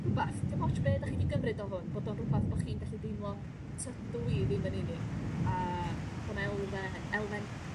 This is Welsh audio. rhwbath dim ots be' dach chi di gymryd o hwn bod o'n rwbath bo' chi'n gallu deimlo tydw i ddim yn unig a bo' 'na elfen elfen